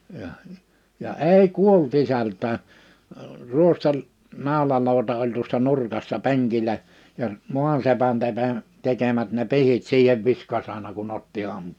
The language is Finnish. ja ja ei kuollut isältäkään - ruostenaulalauta oli tuossa nurkassa penkillä ja maasepän - tekemät ne pihdit siihen viskasi aina kun otti -